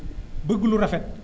bëgg lu rafet